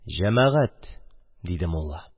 – җәмәгать! – диде мулла.